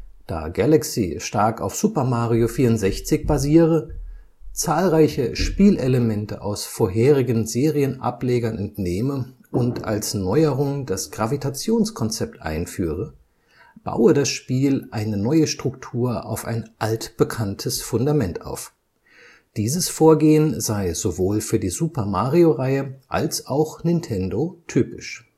Da Galaxy stark auf Super Mario 64 basiere, zahlreiche Spielelemente aus vorherigen Serienablegern entnehme und als Neuerung das Gravitationskonzept einführe, baue das Spiel eine neue Struktur auf ein altbekanntes Fundament auf. Dieses Vorgehen sei sowohl für die Super-Mario-Reihe als auch Nintendo typisch